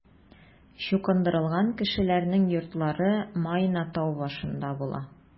Чукындырылган кешеләрнең йортлары Майна тау башында була.